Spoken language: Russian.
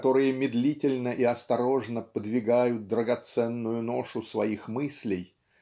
которые медлительно и осторожно подвигают драгоценную ношу своих мыслей